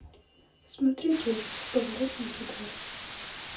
смотреть ужасы поворот не туда